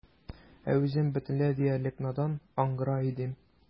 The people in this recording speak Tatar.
Ә үзем бөтенләй диярлек надан, аңгыра идем.